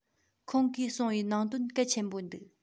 ཁོང གིས གསུངས པའི ནང དོན གལ ཆེན པོ འདུག